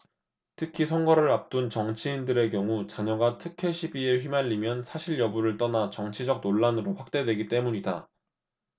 특히 선거를 앞둔 정치인들의 경우 자녀가 특혜시비에 휘말리면 사실여부를 떠나 정치적 논란으로 확대되기 때문이다